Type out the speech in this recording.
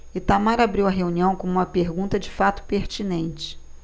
itamar abriu a reunião com uma pergunta de fato pertinente